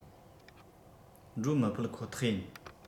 འགྲོ མི ཕོད ཁོ ཐག ཡིན